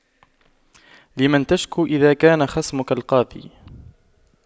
لمن تشكو إذا كان خصمك القاضي